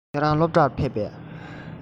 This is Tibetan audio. ཁྱེད རང སློབ གྲྭར ཕེབས པས